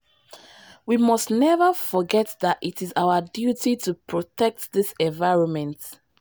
We must never forget that it is our duty to protect this environment.